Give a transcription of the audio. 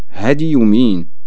هادي يومين